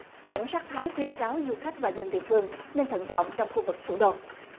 cảnh sát thái khuyến cáo du khách và dân địa phương nên thận trọng trong khu vực thủ đô